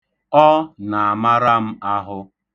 Ọ na-amara m ahụ.